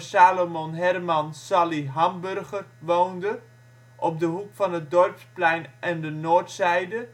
Salomon Herman (Sallie) Hamburger) woonde, op de hoek van het Dorpsplein en de Noordzijde,